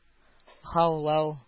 Һаулау